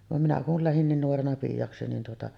vaan minä kun lähdin niin nuorena piiaksi niin tuota